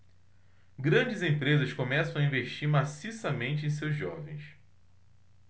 grandes empresas começam a investir maciçamente em seus jovens